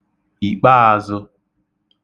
ìkpeāzụ̄